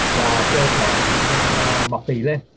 là cơ thể tự nhiên mọc tỉ lên